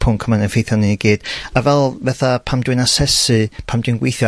pwnc yma'n effeithio ni i gyd. A fel fetha pan dwi'n asesu, pan dwi'n gwithio